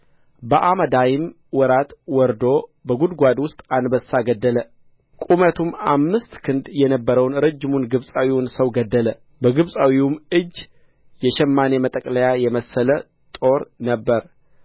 በአመዳይም ወራት ወርዶ በጕድጓድ ውስጥ አንበሳ ገደለ ቁመቱም አምስት ክንድ የነበረውን ረጅሙን ግብጻዊውን ሰው ገደለ በግብጻዊውም እጅ የሸማኔ መጠቅለያ የመሰለ ጦር ነበረ